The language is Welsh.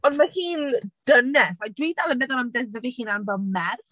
Ond ma' hi'n dynes. Like dwi dal yn meddwl amdano fy hunan fel merch.